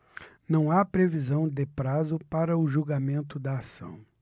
não há previsão de prazo para o julgamento da ação